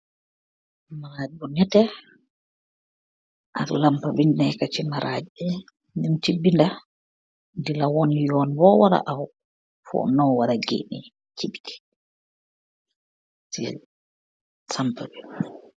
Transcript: Marajj bu nehteh ak lampah bunekah chi marajj bii, njung chi binda dila won yon bor wara aww for nor wara geneh chi biti chi sampah bi.